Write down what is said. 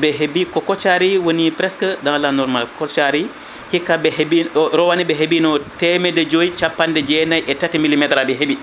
ɓe heebi ko Koccari woni presque dans la normal Koccari Koccari hikka ɓe heeɓi o rowane ɓe heeɓino rowane ɓe heeɓino temedde joyyi capanɗe jeenayyi e tati millimétre aji ɓe heeɓi